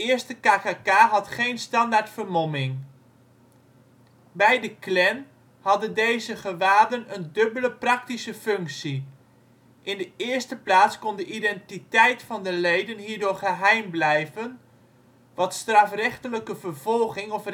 eerste KKK had geen standaard vermomming. Bij de Klan hadden deze gewaden een dubbele praktische functie. In de eerste plaats kon de identiteit van de leden hierdoor geheim blijven wat strafrechtelijke vervolging of